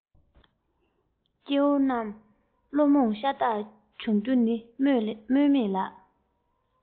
སྐྱེ བོ རྣམས བློ རྨོངས ཤ སྟག འབྱུང རྒྱུ ནི སྨོས མེད ལགས